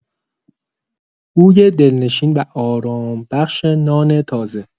بوی دلنشین و آرام‌بخش نان تازه